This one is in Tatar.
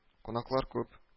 Кунаклар күп